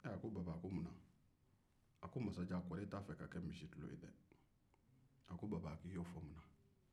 a ko munna baba a ko kɔri e t'a fɛ ka kɛ misitulo ye dɛ a ko i y'o fo mun na baba